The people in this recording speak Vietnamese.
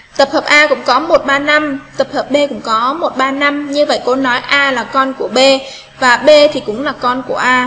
tập hợp a gồm có tập hợp b có như vậy cô nói a là con của b và b thì cũng là con của ai